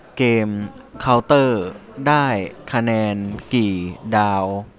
เกมเค้าเตอร์ได้คะแนนกี่ดาว